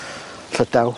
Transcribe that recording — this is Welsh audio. Llydaw.